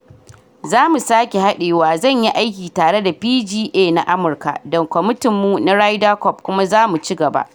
Za mu sake haɗewa, zan yi aiki tare da PGA na Amurka da kwamitinmu na Ryder Cup kuma za mu ci gaba.